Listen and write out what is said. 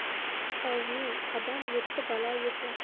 ovmin qadam yettu balo yetmasun